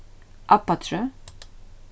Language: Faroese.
abbatrøð